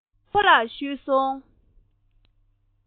ཙི ཙི ཕོ ལ ཞུས སོང